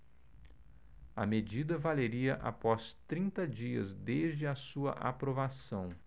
a medida valeria após trinta dias desde a sua aprovação